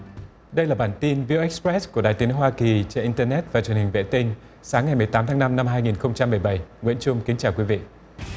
đây là bản tin vi ếch rét của đài tiếng hoa kỳ trên in tơ nét và truyền hình vệ tinh sáng ngày mười tám tháng năm năm hai nghìn không trăm mười bảy nguyễn trung kính chào quý vị